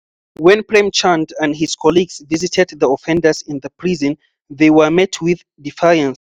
When Prem Chand and his colleagues visited the offenders in the prison, they were met with defiance: